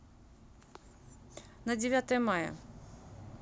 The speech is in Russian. на девятое мая